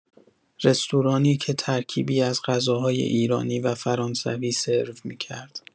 رستورانی که ترکیبی از غذاهای ایرانی و فرانسوی سرو می‌کرد.